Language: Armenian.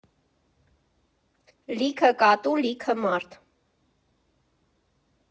Լիքը կատու, լիքը մարդ։